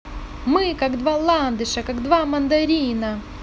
мы как два ландышам как два мандарина